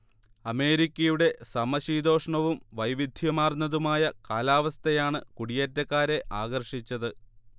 അമേരിക്കയുടെ സമശീതോഷ്ണവും വൈവിധ്യമാർന്നതുമായ കാലവസ്ഥയാണ് കൂടിയേറ്റക്കാരെ ആകർഷിച്ചത്